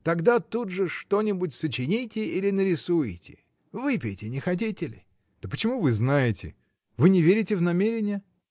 Тогда тут же что-нибудь сочините или нарисуете. Выпейте, не хотите ли? — Да почему вы знаете? Вы не верите в намерения?.